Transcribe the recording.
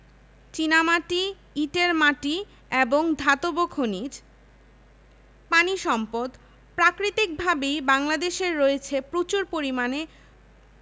চীনামাটি ইটের মাটি এবং ধাতব খনিজ পানি সম্পদঃ প্রাকৃতিকভাবেই বাংলাদেশের রয়েছে প্রচুর পরিমাণে